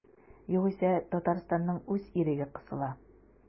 Югыйсә Татарстанның үз иреге кысыла.